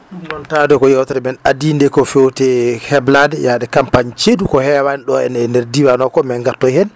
ɗum noon taade ko yewtere me adide ko fewte heblade yaade campagne ceeɗu ko hewani ɗo henna e nder diwan o ko ma en gartoy hen